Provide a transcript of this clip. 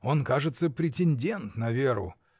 Он, кажется, претендент на Веру.